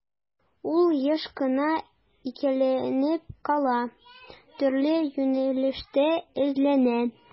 Ул еш кына икеләнеп кала, төрле юнәлештә эзләнә.